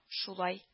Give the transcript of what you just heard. Шулай